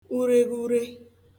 ureghure